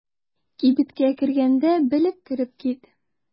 Кибеткә кергәндә белеп кереп кит.